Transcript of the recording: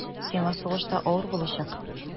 Сиңа сугышта авыр булачак.